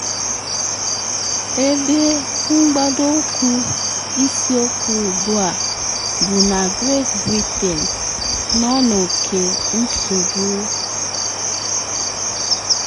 Ebe mgbado ukwu isiokwu ugbu a bụ na Great Britain nọ n’oke nsogbu.